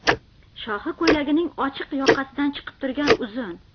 shohi ko'ylagining ochiq yoqasidan chiqib turgan uzun